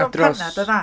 Ar draws...